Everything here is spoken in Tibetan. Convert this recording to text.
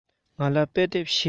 ང ལ དཔེ དེབ བཞི ཡོད